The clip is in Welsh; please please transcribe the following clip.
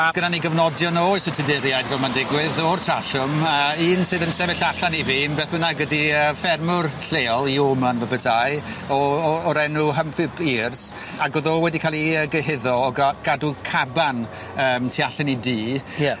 A gynna ni gyfnodion o oes y Tuduriaid fel ma'n digwydd o'r Trallwm a un sydd yn sefyll allan i fi yn beth bynnag ydi yy ffermwr lleol Yoman fy bytai o- o- o'r enw Humphry Veers ag o'dd o wedi ca'l i yy gyhuddo o ga- gadw caban yym tu allan i dŷ. Ie.